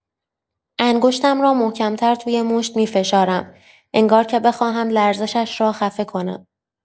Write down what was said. انگشتم را محکم‌تر توی مشت می‌فشارم، انگار که بخواهم لرزشش را خفه کنم.